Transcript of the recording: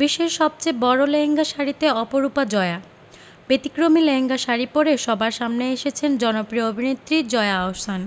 বিশ্বের সবচেয়ে বড় লেহেঙ্গা শাড়িতে অপরূপা জয়া ব্যতিক্রমী লেহেঙ্গা শাড়ি পরে সবার সামনে এসেছেন জনপ্রিয় অভিনেত্রী জয়া আহসান